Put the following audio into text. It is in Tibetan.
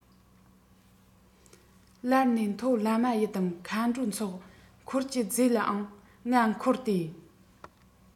ལར ནས མཐོ བླ མ ཡི དམ མཁའ འགྲོའི ཚོགས འཁོར གྱི རྫས ལའང ང འཁོར སྟེ